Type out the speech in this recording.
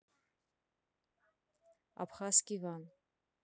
абхазский ван